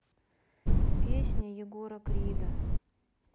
песня егора крида